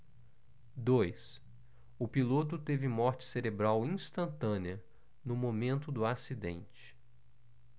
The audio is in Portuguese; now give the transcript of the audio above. dois o piloto teve morte cerebral instantânea no momento do acidente